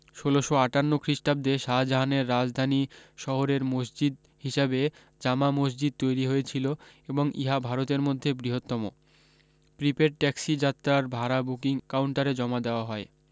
ষোলশ আটান্ন খ্রীষ্টাব্দে শাহজাহানের রাজধানী শহরের মসজিদ হিসাবে জামা মসজিদ তৈরী হয়েছিলো এবং ইহা ভারতের মধ্যে বৃহত্তম প্রিপেড ট্যাক্সি যাত্রার ভাড়া বুকিং কাউন্টারে জমা দেওয়া হয়